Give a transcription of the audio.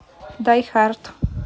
дай хард